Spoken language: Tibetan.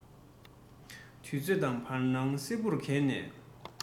དུས ཚོད དང བར སྣང སིལ བུར གས ནས